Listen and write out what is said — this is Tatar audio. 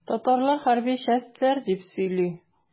Татарлар хәрби чәстләр дип сөйли.